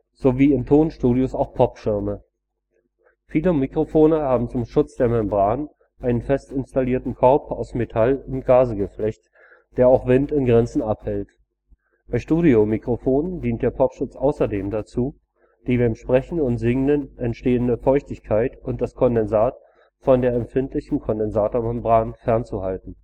sowie in Tonstudios auch Popschirme. Viele Mikrofone haben zum Schutz der Membran einen fest installierten Korb aus Metall - und Gazegeflecht, der auch Wind in Grenzen abhält. Bei Studiomikrofonen dient der Popschutz außerdem dazu, die beim Sprechen und Singen entstehende Feuchtigkeit und das Kondensat von der empfindlichen Kondensatormembran fernzuhalten